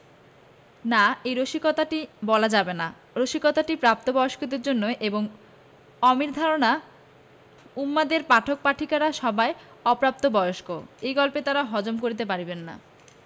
না এই রসিকতাটি বলা যাবে না রসিকতাটা প্রাত বয়স্কদের জন্যে এবং অমির ধারণা উন্মাদের পাঠক পাঠিকারা সবাই অপ্রাতবয়স্ক এই গল্প তারা হজম করতে পারিবে না